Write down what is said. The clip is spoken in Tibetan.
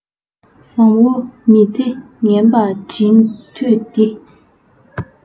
བཟང བོ མི བརྩི ངན པ བྲིན དུས འདི